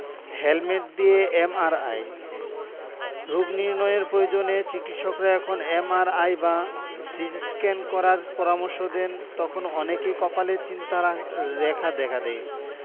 helmet দিয়ে MRI রোগ নির্নয়ের প্রয়োজনে চিকিত্সকরা এখন এমআরআই বা সিটিস্ক্যান করার পরামর্শ দেন তখন অনেকের কপালে চিন্তার রেখা দেখা দেয়